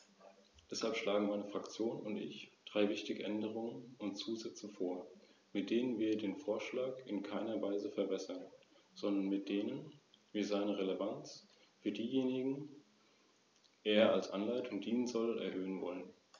Diese Forscher haben sicher keinerlei Bedarf mehr an der italienischen Sprache, da sie Englisch, Französisch und Deutsch gelernt haben und, zum Nachteil italienischer Produkte, über alle Instrumente zur Einreichung dieser Patentanmeldungen verfügen.